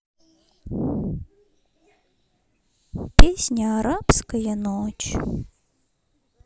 песня арабская ночь